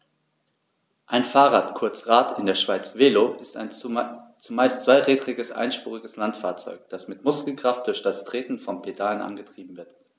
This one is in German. Ein Fahrrad, kurz Rad, in der Schweiz Velo, ist ein zumeist zweirädriges einspuriges Landfahrzeug, das mit Muskelkraft durch das Treten von Pedalen angetrieben wird.